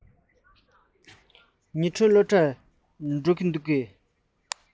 ཉི སྒྲོན སློབ གྲྭར འགྲོ གི འདུག གས